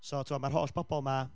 So, tibod, ma'r holl bobl 'ma...